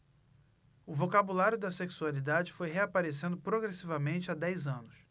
o vocabulário da sexualidade foi reaparecendo progressivamente há dez anos